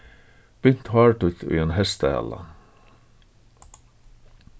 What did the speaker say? bint hár títt í ein hestahala